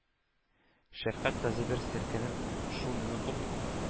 Шәфкать кызы, бер селкенеп, шул минут ук